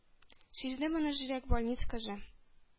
Сизде моны зирәк больниц кызы,